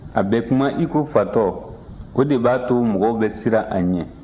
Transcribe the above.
a bɛ kuma i ko fatɔ o de b'a to mɔgɔw bɛ siran a ɲɛ